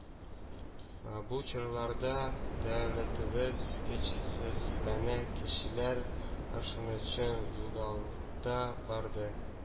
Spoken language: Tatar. Бу чорларда дәүләтебез көчсезләнә, кешеләр ышанычын югалта барды.